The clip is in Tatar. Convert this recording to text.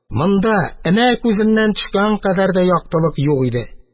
Монда энә күзеннән төшкән кадәр дә яктылык юк иде.